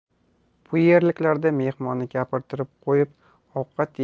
bu yerliklarda mehmonni gapirtirib qo'yib ovqat